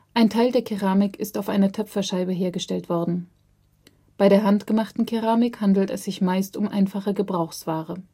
Ein Teil der Keramik ist auf einer Töpferscheibe hergestellt worden. Bei der handgemachten Keramik handelt es sich meist um einfache Gebrauchsware